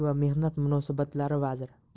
va mehnat munosabatlari vaziri